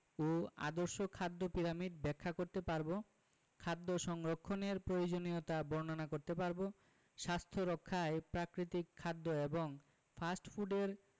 ও আদর্শ খাদ্য পিরামিড ব্যাখ্যা করতে পারব খাদ্য সংরক্ষণের প্রয়োজনীয়তা বর্ণনা করতে পারব স্বাস্থ্য রক্ষায় প্রাকৃতিক খাদ্য এবং ফাস্ট ফুডের